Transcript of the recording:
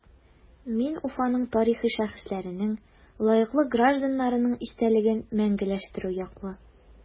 Мин Уфаның тарихи шәхесләренең, лаеклы гражданнарның истәлеген мәңгеләштерү яклы.